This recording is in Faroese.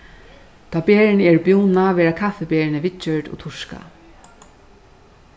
tá berini eru búnað verða kaffiberini viðgjørd og turkað